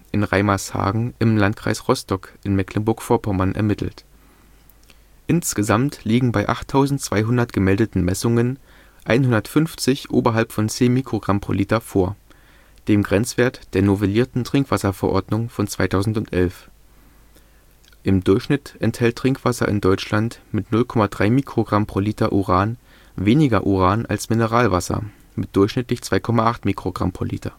Reimershagen im Landkreis Rostock (Mecklenburg-Vorpommern) ermittelt. Insgesamt liegen bei 8200 gemeldeten Messungen 150 oberhalb von 10 µg/l vor, dem Grenzwert der novellierten TrinkwV von 2011. Im Durchschnitt enthält Trinkwasser in Deutschland mit 0,3 µg/l Uran weniger Uran als Mineralwasser mit durchschnittlich 2,8 µg/l. Der